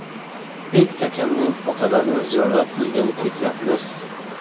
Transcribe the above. bek akamning otalarini ziyorat qilgani ketyapmiz